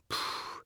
Puh.